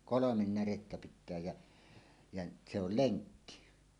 kolme närettä pitää ja ja se oli lenkki